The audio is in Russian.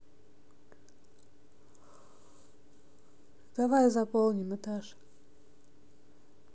давай заполним этаж